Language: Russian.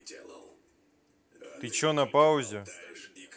ты че на паузе